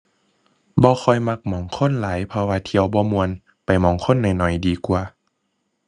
บักค่อยมักหม้องคนหลาย เพราะว่าเที่ยวบ่ม่วน ไปหม้องคนน้อยน้อยดีกว่า